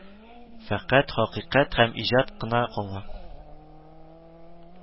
Фәкать хакыйкать һәм иҗат кына кала